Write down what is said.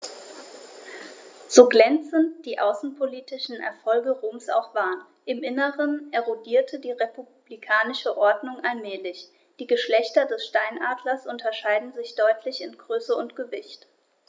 So glänzend die außenpolitischen Erfolge Roms auch waren: Im Inneren erodierte die republikanische Ordnung allmählich. Die Geschlechter des Steinadlers unterscheiden sich deutlich in Größe und Gewicht.